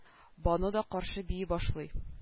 Бану да каршы бии башлый